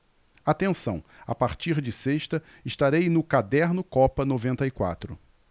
atenção a partir de sexta estarei no caderno copa noventa e quatro